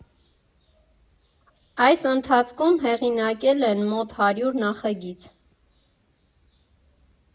Այս ընթացքում հեղինակել են մոտ հարյուր նախագիծ։